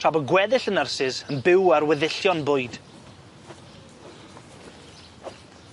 Tra bo' gweddill y nyrsys yn byw ar weddillion bwyd.